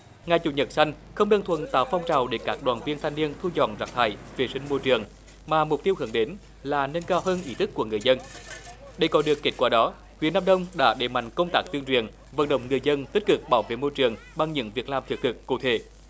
ngày chủ nhật xanh không đơn thuần tạo phong trào để các đoàn viên thanh niên thu dọn rác thải vệ sinh môi trường mà mục tiêu hướng đến là nâng cao hơn ý thức của người dân để có được kết quả đó phía nam đông đã đẩy mạnh công tác tuyên truyền vận động người dân tích cực bảo vệ môi trường bằng những việc làm thiết thực cụ thể